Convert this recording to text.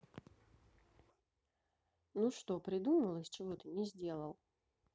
ну что придумал из чего ты не сделал